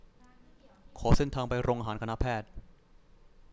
ขอเส้นทางไปโรงอาหารคณะแพทย์